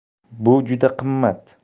bu juda qimmat